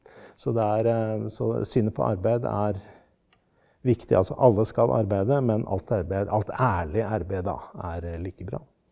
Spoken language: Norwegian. så det er så synet på arbeid er viktig altså alle skal arbeide men alt arbeid alt ærlig arbeid da er like bra.